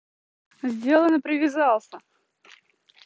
сделано привязался